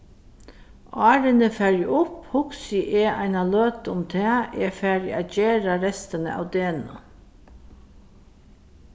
áðrenn eg fari upp hugsi eg eina løtu um tað eg fari at gera restina av degnum